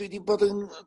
dwi 'di bod yn